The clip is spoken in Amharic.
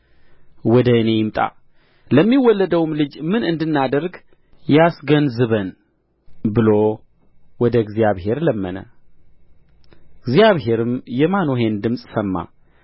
ወደ እኔ ይምጣ ለሚወለደውም ልጅ ምን እንድናደርግ ያስገንዝበን ብሎ ወደ እግዚአብሔር ለመነ እግዚአብሔርም የማኑሄን ድምፅ ሰማ